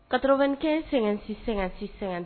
Katobakɛ sɛgɛn-sɛ- sɛgɛn